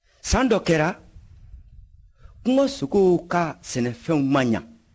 san dɔ kɛra kungosogow ka sɛnɛfɛnw ma ɲɛ